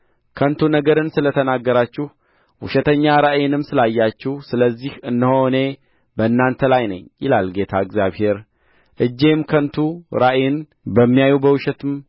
ከንቱ ነገርን ስለ ተናገራችሁ ውሸተኛ ራእይንም ስላያችሁ ስለዚህ እነሆ እኔ በእናንተ ላይ ነኝ ይላል ጌታ እግዚአብሔር እጄም ከንቱ ራእይን በሚያዩ በውሸትም